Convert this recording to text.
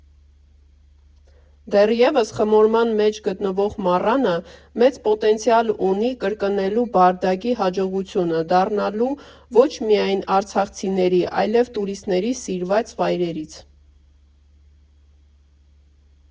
Դեռևս խմորման մեջ գտնվող «Մառանը» մեծ պոտենցիալ ունի կրկնելու «Բարդակի» հաջողությունը, դառնալու ոչ միայն արցախցիների, այլև տուրիստների սիրված վայրերից։